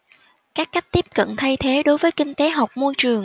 các cách tiếp cận thay thế đối với kinh tế học môi trường